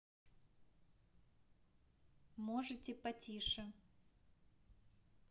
можете потише